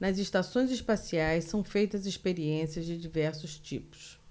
nas estações espaciais são feitas experiências de diversos tipos